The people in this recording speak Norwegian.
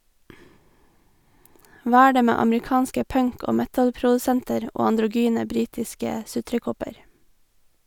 Hva er det med amerikanske punk- og metalprodusenter og androgyne britiske sutrekopper?